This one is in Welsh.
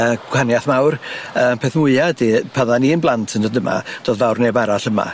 Yy gwahaniath mawr yy peth mwya ydi pan odda ni'n blant yn dod yma do'dd fawr neb arall yma.